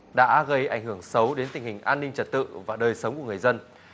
đã gây ảnh hưởng xấu đến tình hình an ninh trật tự và đời sống của người dân